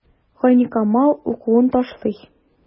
Гайникамал укуын ташлый.